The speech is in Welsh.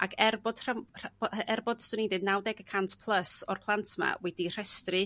Ag er bod rha- bod 'swni'n deud bod nawdeg y cant plys o'r plant 'ma wedi'u rhestru